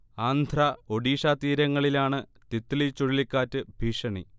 ആന്ധ്ര, ഒഡീഷ തീരങ്ങളിലാണ് തിത്ലി ചുഴലിക്കാറ്റ് ഭീഷണി